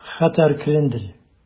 Хәтәр крендель